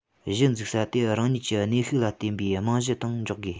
གཞི འཛུགས ས དེ རང ཉིད ཀྱི ནུས ཤུགས ལ བརྟེན པའི རྨང གཞིའི སྟེང འཇོག དགོས